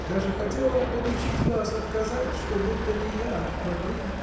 Даже хотела подучить вас отказать, что будто не я, а вы.